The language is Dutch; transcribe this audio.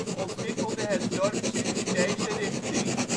ontwikkelde het dorp zich in deze richting. In